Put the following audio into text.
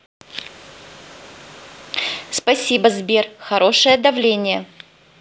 спасибо сбер хорошее давление